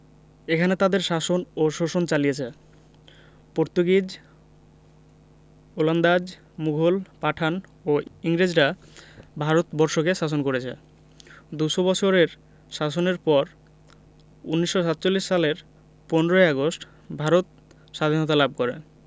এখানে তাদের শাসন ও শোষণ চালিছে পর্তুগিজ ওলন্দাজ মুঘল পাঠান ও ইংরেজরা ভারত বর্ষকে শাসন করেছে দু'শ বছরের শাসনের পর ১৯৪৭ সালের ১৫ ই আগস্ট ভারত সাধীনতা লাভ করে